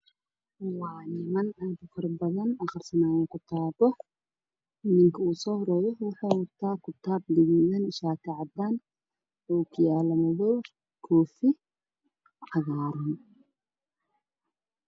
Waa niman aad u faro badan aqrisanayo kitaabo. Ninka ugu soo horeeyo waxuu wataa kitaab gaduudan, ookiyaalo madow ah iyo koofi cagaar ah.